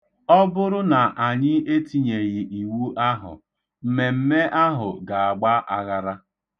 Ọ bụrụ na anyị etinyeghị iwu ahụ, mmemme ahụ ga-agba aghara.